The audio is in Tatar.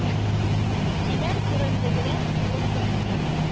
Йәмән корольлегенә тулы хокуклы